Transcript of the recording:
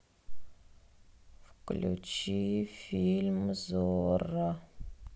включи фильм зорро